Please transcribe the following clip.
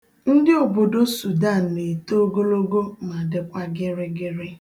Ndị obodo Sudan na-eto ogologo ma dịkwa gịrịgịrị.